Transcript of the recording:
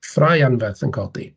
Ffrae anferth yn codi.